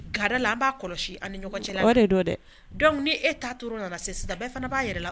Gada la an b'a kɔlɔsi ani ɲɔgɔn cɛ dɛ dɔnku ni e ta tora la sisan bɛɛ fana b'a yɛrɛ la